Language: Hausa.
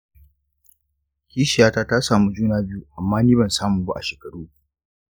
kishiyata ta samu juna biyu amma ni ban samu ba a shekaru uku.